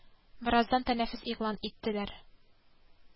Бераздан тәнәфес игълан иттеләр